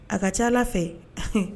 A ka ca ala fɛ